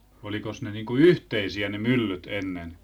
olikos ne niin kuin yhteisiä ne myllyt ennen